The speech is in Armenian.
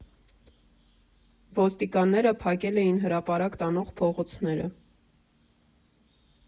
Ոստիկանները փակել էին հրապարակ տանող փողոցները։